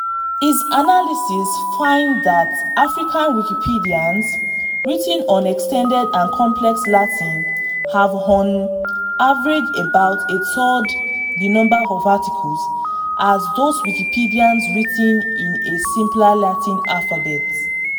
His analysis finds that African Wikipedias “written in extended and complex Latin hav[e] on average about a third the number of articles” as those Wikipedias written in a simpler Latin alphabet.